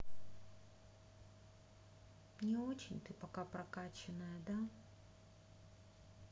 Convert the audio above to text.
не очень ты пока прокачанная да